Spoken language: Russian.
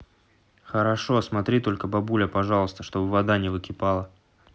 хорошо смотри только бабуля пожалуйста чтобы вода не выкипала